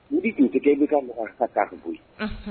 Ni bɛ kun bɛ ka marifata bɔ